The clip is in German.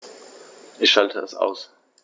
Ich schalte es aus.